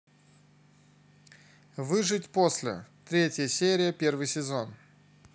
выжить после третья серия первый сезон